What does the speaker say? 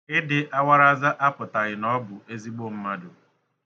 Ịdị awaraza apụtaghị na ọ bụ ezigbo mmadụ.